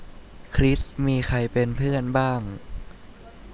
คริสมีใครเป็นเพื่อนบ้าง